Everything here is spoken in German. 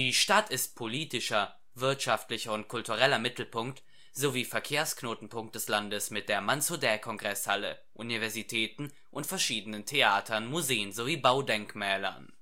Stadt ist politischer, wirtschaftlicher und kultureller Mittelpunkt sowie Verkehrsknotenpunkt des Landes mit der Mansudae-Kongresshalle, Universitäten und verschiedenen Theatern, Museen sowie Baudenkmälern